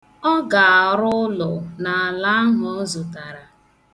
Ọ ga-arụ ụlọ n' ala ahụ ọ zụtara.